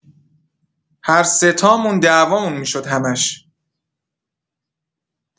هرسه تامون دعوامون می‌شد همش.